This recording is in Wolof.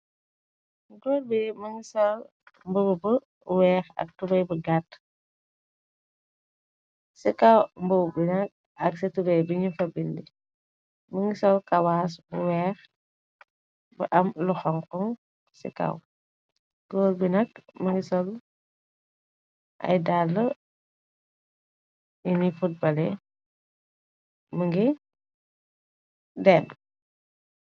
Goor bi mëngi sol mbu b weex, ak turay bu gatt ,ci kaw mbu bi nag ak ci turay binu fa bildi, më ngi sow kawaas bu weex, bu am lu xonkoŋ, ci kaw goor bi nag, më ngi sol ay dall yinu fut bale, mu ngi denn.